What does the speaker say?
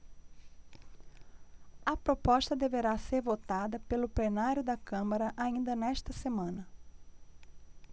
a proposta deverá ser votada pelo plenário da câmara ainda nesta semana